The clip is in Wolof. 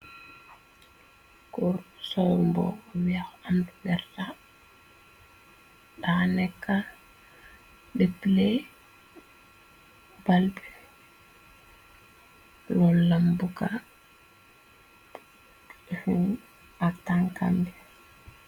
Goor bu sol mbuba bu weex am verta, da nekkan de play bal bi, lo lam bukka fi ak tankanbi.